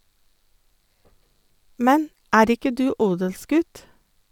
- Men er ikke du odelsgutt?